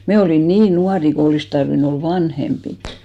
me olimme niin nuoria kun olisi tarvinnut olla vanhempia